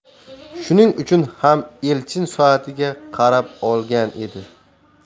shuning uchun ham elchin soatiga qarab olgan edi